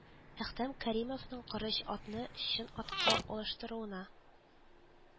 Әхтәм Кәримовның корыч атны чын атка алыштыруына